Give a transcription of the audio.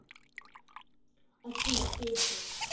афина песня